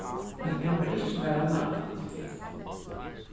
men tað var ikki bara lætt